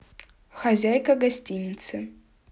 хозяйка гостинницы